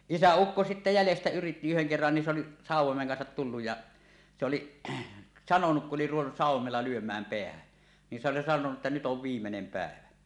isäukko sitten jäljestä yritti yhden kerran niin se oli sauvoimen kanssa tullut ja se oli sanonut kun oli ruvennut sauvoimella lyömään päähän niin se oli sanonut että nyt on viimeinen päivä